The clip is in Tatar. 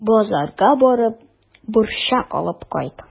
Базарга барып, борчак алып кайт.